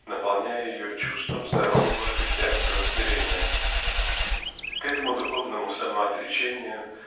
наполняя ее чувством здорового христианского смирения. К этому духовному самоотречению